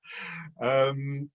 Yym